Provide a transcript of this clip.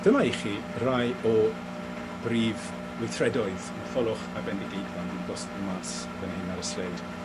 Dyma i chi rai o brif weithredoedd Matholwch a Bendigeidfran dwi 'di gosod nw mas fan hyn ar y sleid